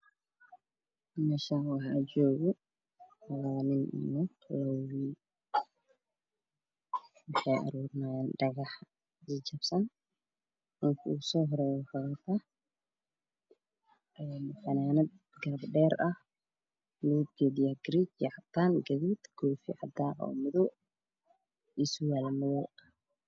Meshan waxaa jooga lapa nin iyo lapa wiil waxii aroorinyaan dhagax jajapapsan kan usoo horeeyo waxuu wataa funnada gapa dheer ah midbkeedu yahy gaduuc giriji koofi cadan oomadow ah iyo surwaalo madow ah